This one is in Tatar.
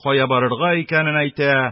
Кая барырга икәнен әйтә;